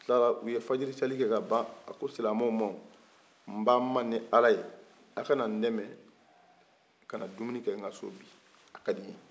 u tilala u ye fajiriseili kɛ kaban a ko silamɛw man nbaw man ni ala ye a kana dɛmɛ kana dumuni kɛ nkaso bi a kadiɲe